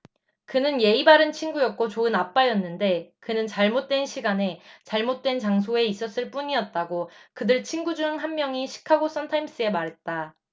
그는 예의 바른 친구였고 좋은 아빠였는데 그는 잘못된 시간에 잘못된 장소에 있었을 뿐이었다고 그들 친구 중 한 명이 시카고 선타임스에 말했다